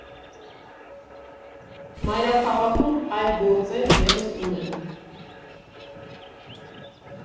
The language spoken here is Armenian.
Մայրաքաղաքում այլ գործեր ևս ունեն։